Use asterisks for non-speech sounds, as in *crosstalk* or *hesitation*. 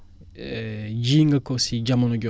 *hesitation* ji nga ko si jamono joo xam ni